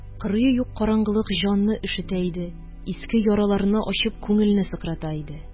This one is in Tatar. Кырые юк караңгылык җанны өшетә иде, иске яраларны ачып, күңелне сыкрата иде